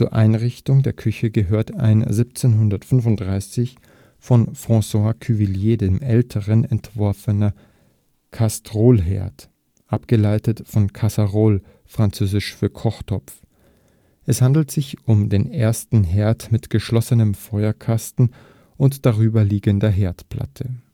Einrichtung der Küche gehört ein 1735 von François Cuvilliés d. Ä. entworfener Castrol Herd (abgeleitet von Casserole, französisch für Kochtopf); es handelte sich um den ersten Herd mit geschlossenem Feuerkasten und darüberliegender Herdplatte